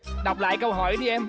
đọc lại câu hỏi đi em